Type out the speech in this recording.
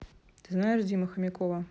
ты знаешь дима хомякова